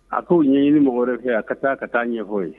A k'o ɲɛɲini mɔgɔ wɛrɛ fɛ a ka taa ka taa ɲɛfɔ ye.